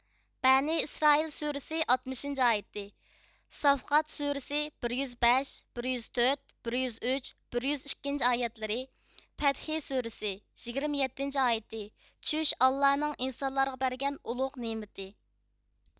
بەنى ئىسرائىل سۈرىسى ئاتمىشىنچى ئايىتى ساففات سۈرىسى بىر يۈز ئىككى بىر يۈز ئۈچ بىر يۈز تۆت بىر يۈز بەشىنچى ئايەتلىرى پەتھى سۈرىسى يىگىرمە يەتتىنچى ئايىتى چۈش ئاللانىڭ ئىنسانلارغا بەرگەن ئۇلۇغ نېمىتى